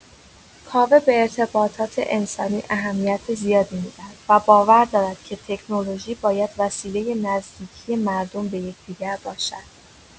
کاوه به ارتباطات انسانی اهمیت زیادی می‌دهد و باور دارد که تکنولوژی باید وسیله نزدیکی مردم به یکدیگر باشد.